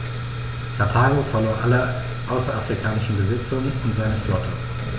Karthago verlor alle außerafrikanischen Besitzungen und seine Flotte.